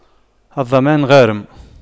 الضامن غارم